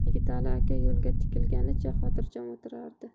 yigitali aka yo'lga tikilganicha xotirjam o'tirardi